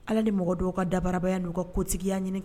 Ala ni mɔgɔ dɔw ka dabararabaya nu ka kotigiya ɲini